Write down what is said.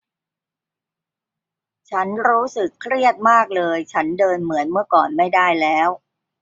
ฉันรู้สึกเครียดมากเลยฉันเดินเหมือนเมื่อก่อนไม่ได้แล้ว